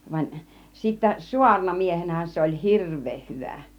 vaan sitten saarnamiehenähän se oli hirveän hyvä